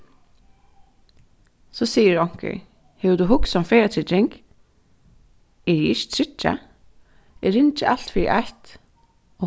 so sigur onkur hevur tú hugsað um ferðatrygging eri eg ikki tryggjað eg ringi alt fyri eitt